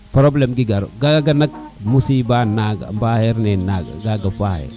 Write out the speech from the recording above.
probleme ke ngaro kaga nak musi ba naga mbaxeer ne naga kaga faaxe